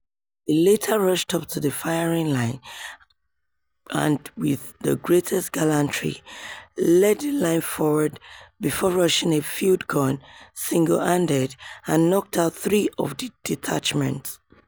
He later rushed up to the firing line and with the "greatest gallantry" led the line forward before rushing a field-gun single-handed and knocked out three of the detachment.